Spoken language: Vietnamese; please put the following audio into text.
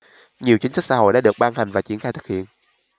nhiều chính sách xã hội đã được ban hành và triển khai thực hiện